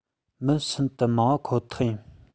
མི ཤིན ཏུ མང པ ཁོ ཐག ཡིན